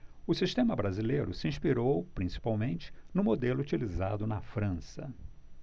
o sistema brasileiro se inspirou principalmente no modelo utilizado na frança